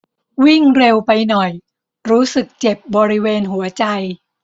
วิ่งเร็วไปหน่อยรู้สึกเจ็บบริเวณหัวใจ